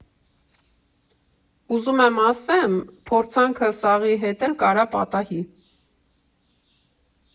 Ուզում եմ ասեմ՝ փորձանքը սաղի հետ էլ կարա պատահի։